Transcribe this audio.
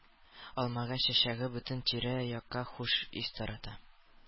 Алмагач чәчәге бөтен тирә-якка хуш ис тарата.